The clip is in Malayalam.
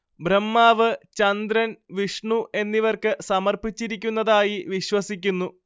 ബ്രഹ്മാവ് ചന്ദ്രൻ വിഷ്ണു എന്നിവർക്ക് സമർപ്പിച്ചിരിക്കുന്നതായി വിശ്വസിക്കുന്നു